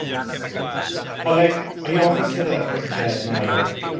Nasty. Ond like, o'n i'n hoffi sut odd e like Gemma yn like...